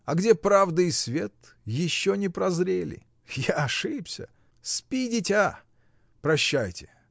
А где правда и свет — еще не прозрели! Я ошибся! Спи, дитя! Прощайте!